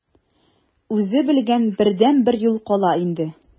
Үзе белгән бердәнбер юл кала инде.